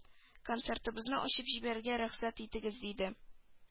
Концертыбызны ачып җибәрергә рөхсәт итегез диде